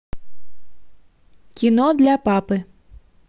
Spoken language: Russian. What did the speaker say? кино для папы